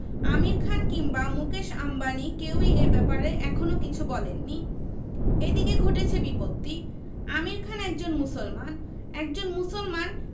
আমির খান কিংবা মুকেশ আম্বানি কেউই এ ব্যাপারে এখনো কিছু বলেননি এদিকে ঘটেছে বিপত্তি আমির খান একজন মুসলমান একজন মুসলমান